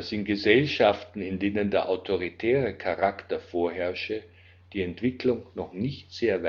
in Gesellschaften, in denen der autoritäre Charakter vorherrsche, die Entwicklung noch nicht sehr